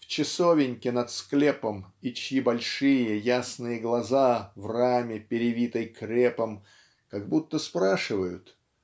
в часовенке над склепом и чьи большие ясные глаза в раме перевитой крепом как будто спрашивают